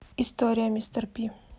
история мистер пи